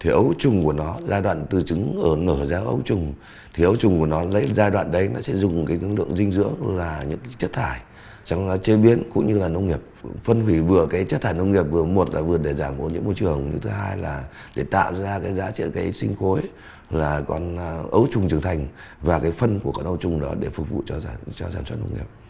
thể ấu trùng của nó là đoạn từ trứng ở nở ra ấu trùng thiếu chung của nó lệnh giai đoạn đấy là sẽ dùng để thương lượng dinh dưỡng là những chất thải chẳng hạn chế biến cũng như là nông nghiệp phân hủy vừa kể chất thải nông nghiệp hướng muộn đã vượt để giảm ô nhiễm môi trường từ thứ hai là để tạo ra giá chở thí sinh khối là còn là ấu trùng trưởng thành và cái phần của con ấu trùng đó để phục vụ cho ra cho sản xuất nông nghiệp